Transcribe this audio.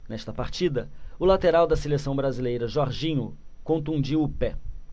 nesta partida o lateral da seleção brasileira jorginho contundiu o pé